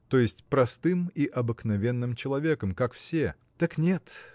то есть простым и обыкновенным человеком как все. Так нет!